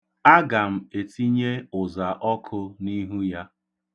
Aga m etinye ụza ọkụ n'ihu ya.